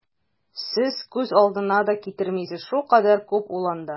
Сез күз алдына да китермисез, шулкадәр күп ул анда!